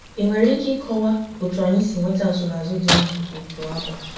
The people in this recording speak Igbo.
GV: Ị nwere ike ịkọwa otu anyị si nweta nsonaazụ dị mma otu ahụ?